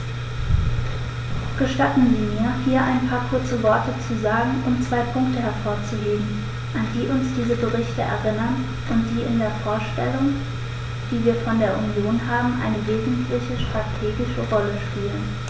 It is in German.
Gestatten Sie mir, hier ein paar kurze Worte zu sagen, um zwei Punkte hervorzuheben, an die uns diese Berichte erinnern und die in der Vorstellung, die wir von der Union haben, eine wesentliche strategische Rolle spielen.